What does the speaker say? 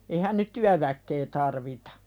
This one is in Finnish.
eihän nyt työväkeä tarvita